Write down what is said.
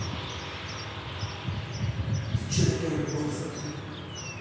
ты че такая борзая